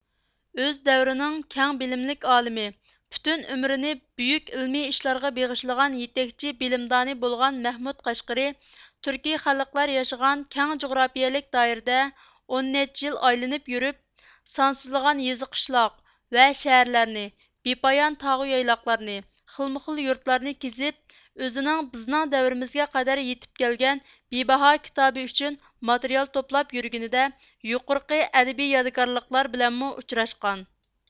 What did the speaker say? ئۆز دەۋرىنىڭ كەڭ بىلىملىك ئالىمى پۈتۈن ئۆمرىنى بۈيۈك ئىلمىي ئىشلارغا بېغىشلىغان يېتەكچى بىلىمدانى بولغان مەھمۇد قەشقىرى تۈركىي خەلقلەر ياشىغان كەڭ جۇغراپىيلىك دائىرىدە ئون نەچچە يىل ئايلىنىپ يۈرۈپ سانسىزلىغان يېزا قىشلاق ۋە شەھەرلەرنى بىپايان تاغۇ يايلاقلارنى خىلمۇ خىل يۇرتلارنى كېزىپ ئۆزىنىڭ بىزنىڭ دەۋرىمىزگە قەدەر يېتىپ كەلگەن بىباھا كىتابى ئۈچۈن ماتېرىيال توپلاپ يۈرگىنىدە يۇقىرىقى ئەدەبىي يادىكارلىقلار بىلەنمۇ ئۇچراشقان